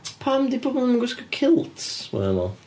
Pam 'di pobl ddim yn gwisgo kilts mor aml?